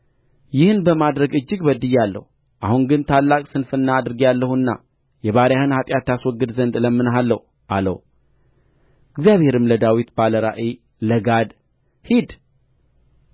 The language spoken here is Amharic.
ይህን በማድረግ እጅግ በድያለሁ አሁን ግን ታላቅ ስንፍና አድርጌአለሁና የባሪያህን ኃጢአት ታስወግድ ዘንድ እለምንሃለሁ አለው እግዚአብሔርም ለዳዊት ባለ ራእይ ለጋድ ሂድ